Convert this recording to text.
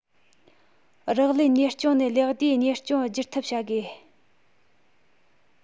རགས ལས གཉེར སྐྱོང ནས ལེགས བསྡུས གཉེར སྐྱོང བསྒྱུར ཐབས བྱ དགོས